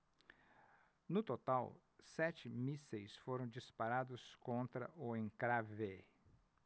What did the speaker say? no total sete mísseis foram disparados contra o encrave